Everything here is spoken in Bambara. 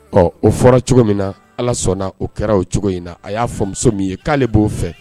Ɔ o fɔra cogo min na allah sɔnna o kɛra o cogo in na, a y'a fɔ muso min ye k'ale b'o fɛ